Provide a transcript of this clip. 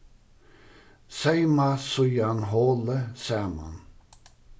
seyma síðan holið saman